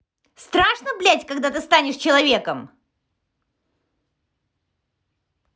страшно блять когда ты станешь человеком